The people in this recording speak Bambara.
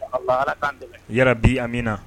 A yɛrɛ bi amina na